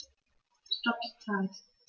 Stopp die Zeit